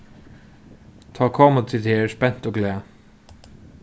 tá komu tit her spent og glað